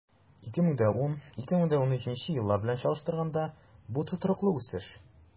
2010-2013 еллар белән чагыштырганда, бу тотрыклы үсеш.